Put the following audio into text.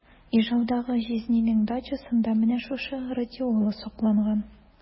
Ижаудагы җизнинең дачасында менә шушы радиола сакланган.